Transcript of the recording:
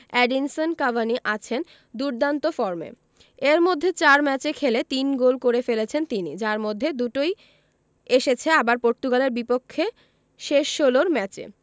Edinson Cavani আছেন দুর্দান্ত ফর্মে এর মধ্যে ৪ ম্যাচে খেলে ৩ গোল করে ফেলেছেন তিনি যার মধ্যে দুটোই এসেছে আবার পর্তুগালের বিপক্ষে শেষ ষোলোর ম্যাচে